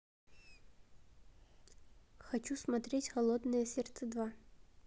хочу смотреть холодное сердце два